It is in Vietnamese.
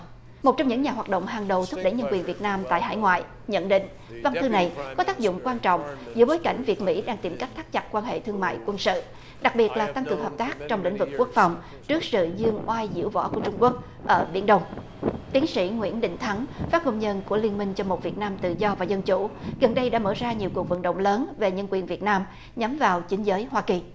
một trong những nhà hoạt động hàng đầu thúc đẩy nhân quyền việt nam tại hải ngoại nhận định văn thư này có tác dụng quan trọng giữa bối cảnh việt mỹ đang tìm cách thắt chặt quan hệ thương mại quân sự đặc biệt là tăng cường hợp tác trong lĩnh vực quốc phòng trước sự giương oai diễu võ của trung quốc ở biển đông tiến sĩ nguyễn đình thắng các công nhân của liên minh cho một việt nam tự do và dân chủ gần đây đã mở ra nhiều cuộc vận động lớn về nhân quyền việt nam nhắm vào chính giới hoa kỳ